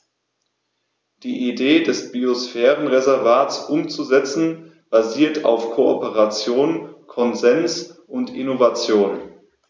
Die Idee des Biosphärenreservates umzusetzen, basiert auf Kooperation, Konsens und Innovation.